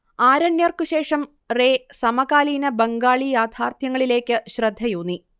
ആരണ്യർക്ക് ശേഷം റേ സമകാലീന ബംഗാളി യാഥാർത്ഥ്യങ്ങളിലേയ്ക്ക് ശ്രദ്ധയൂന്നി